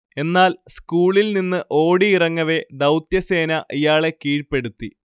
എന്നാൽ, സ്കൂളിൽനിന്ന് ഓടിയിറങ്ങവെ, ദൗത്യസേന ഇയാളെ കീഴ്പ്പെടുത്തി